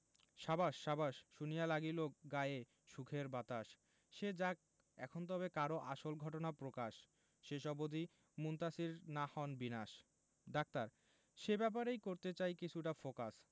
সাবাস সাবাস শুনিয়া লাগিল গায়ে সুখের বাতাস সে যাক এখন তবে করো আসল ঘটনা প্রকাশ শেষ অবধি মুনতাসীর না হন বিনাশ ডাক্তার সে ব্যাপারেই করতে চাই কিছুটা ফোকাস